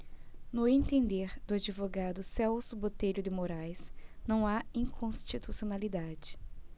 no entender do advogado celso botelho de moraes não há inconstitucionalidade